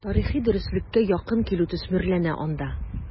Тарихи дөреслеккә якын килү төсмерләнә анда.